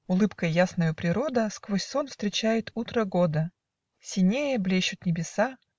Улыбкой ясною природа Сквозь сон встречает утро года; Синея блещут небеса.